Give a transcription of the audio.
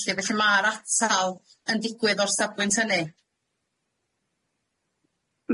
'lly felly ma'r atal yn digwydd o'r safbwynt hynny.